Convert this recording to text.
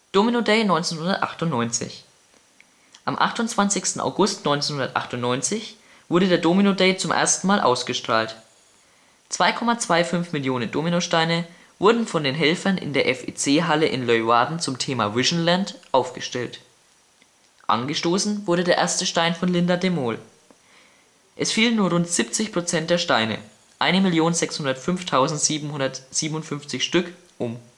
Domino Day 1998 Am 28. August 1998 wurde der Domino-Day zum ersten Mal ausgestrahlt. 2,25 Millionen Dominosteine wurden von den Helfern in der FEC-Halle in Leeuwarden zum Thema „ Visionland “aufgestellt. Angestoßen wurde der erste Stein von Linda de Mol. Es fielen nur rund 70 % der Steine (1.605.757 Stück) um